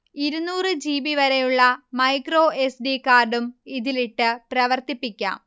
ഇരുന്നൂറ് ജിബി വരെയുളള micro S. D. കാർഡും ഇതിലിട്ട് പ്രവർത്തിപ്പിക്കാം